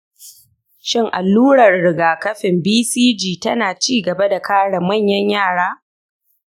shin allurar rigakafin bcg tana ci gaba da kare manyan yara?